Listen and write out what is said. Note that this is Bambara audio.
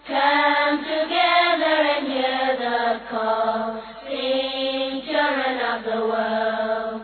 Santigi ja laban den joona la laban